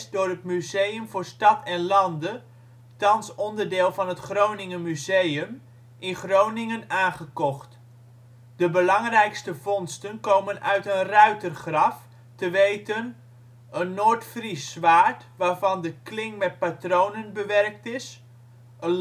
door het Museum voor Stad en Lande (thans onderdeel van het Groninger Museum) in Groningen aangekocht. De belangrijkste vondsten komen uit een ruitergraf, te weten: Een Noordfries zwaard waarvan de kling met patronen bewerkt is Een